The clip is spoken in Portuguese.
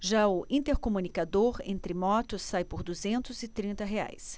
já o intercomunicador entre motos sai por duzentos e trinta reais